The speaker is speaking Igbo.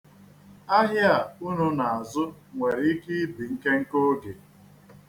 Ahịa a unu na-azụ nwere ike ibi nkenke oge.